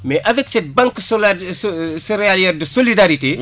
mais avec cette banque céréalière de solidarité